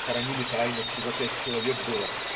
Хоронили тайно, всего пять человек было.